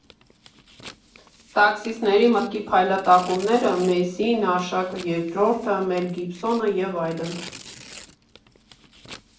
Տաքսիստների մտքի փայլատակումները, Մեսսին, Արշակ Երկրորդը, Մել Գիբսոնը և այլն։